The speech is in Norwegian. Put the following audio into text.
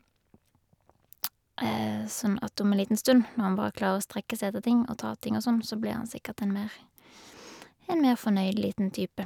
Sånn at om en liten stund, når han bare klarer å strekke seg etter ting og ta ting og sånn, så blir han sikkert en mer en mer fornøyd liten type.